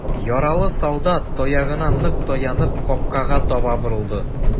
Яралы солдат, таягына нык таянып, капкага таба борылды.